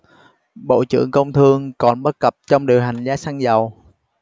bộ trưởng công thương còn bất cập trong điều hành giá xăng dầu